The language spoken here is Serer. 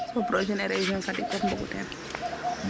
so projet ne région Fatick foo mbogu teen